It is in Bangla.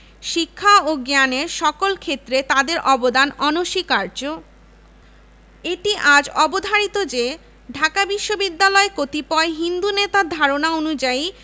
শিক্ষা ও জ্ঞানের সকল ক্ষেত্রে তাদের অবদান অনস্বীকার্য এটিআজ অবধারিত যে ঢাকা বিশ্ববিদ্যালয় কতিপয় হিন্দু নেতার ধারণা অনুযায়ী